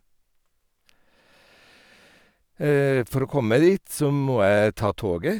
For å komme meg dit så må jeg ta toget.